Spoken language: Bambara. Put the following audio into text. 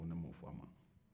n m'o fɔ a ma